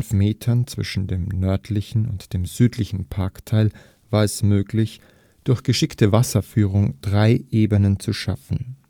Metern zwischen dem nördlichen und dem südlichen Parkteil war es möglich, durch geschickte Wasserführung drei Ebenen zu schaffen